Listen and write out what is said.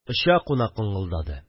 Оча-куна коңгылдады